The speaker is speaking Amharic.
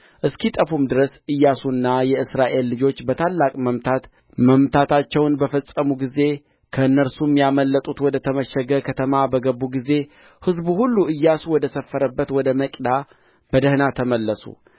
እስኪጠፉም ድረስ ኢያሱና የእስራኤል ልጆች በታላቅ መምታት መምታታቸውን በፈጸሙ ጊዜ ከእነርሱም ያመለጡት ወደ ተመሸገ ከተማ በገቡ ጊዜ ሕዝብ ሁሉ ኢያሱ ወደ ሰፈረበት ወደ መቄዳ በደኅና ተመለሱ